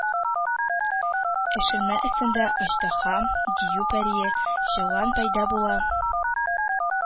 Эшермә өстендә Аждаһа, Дию пәрие, Җылан пәйда була